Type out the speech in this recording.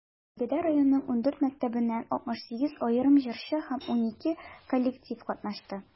Бәйгедә районның 14 мәктәбеннән 68 аерым җырчы һәм 12 коллектив катнашты.